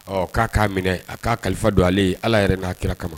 Ɔ k'a k'a minɛ a k'a kalifa don ale ye ala yɛrɛ n'a kira kama